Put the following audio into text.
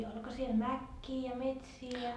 oliko siellä mäkiä ja metsiä ja